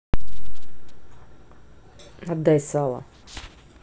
отдай сало